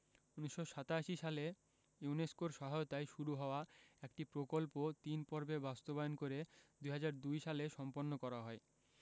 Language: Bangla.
১৯৮৭ সালে ইউনেস্কোর সহায়তায় শুরু হওয়া একটি প্রকল্প তিনপর্বে বাস্তবায়ন করে ২০০২ সলে সম্পন্ন করা হয়